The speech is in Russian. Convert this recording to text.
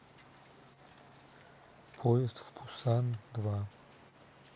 поезд в пуссан два